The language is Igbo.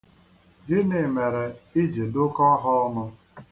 Gịnị mere i ji dụkọọ ha ọnụ?